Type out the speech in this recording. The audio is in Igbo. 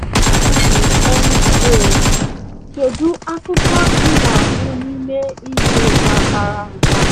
MJ: Kedu akwụkwọ ị na-agụ n'ime izu ụka gara aga?